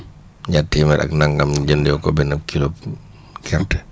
ñaar téeméer ak nagam énu jëndee ko benn kilo gerte